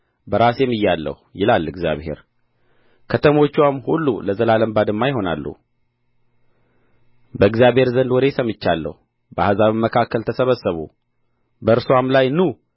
በራሴ ምያለሁ ይላል እግዚአብሔር ከተሞችዋም ሁሉ ለዘላለም ባድማ ይሆናሉ ከእግዚአብሔር ዘንድ ወሬ ሰምቻለሁ በአሕዛብም መካከል ተሰብሰቡ በእርስዋም ላይ ኑ